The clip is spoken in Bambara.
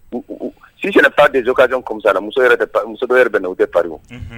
Si taa de kajan kɔmisa muso muso yɛrɛ bɛ u tɛ pari